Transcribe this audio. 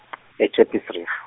e- Jeppes Reef.